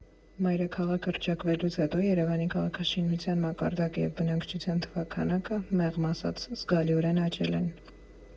Մայրաքաղաք հռչակվելուց հետո Երևանի քաղաքաշինության մակարդակը և բնակչության թվաքանակը, մեղմ ասած, զգալիորեն աճել են։